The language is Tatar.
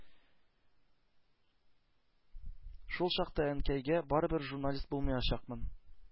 Шул чакта Әнкәйгә: ”Барыбер журналист булачакмын,